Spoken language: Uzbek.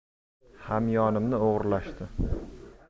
hamyonimni o'g'irlashdi